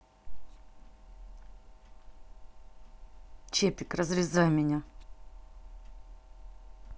чепик разрезай меня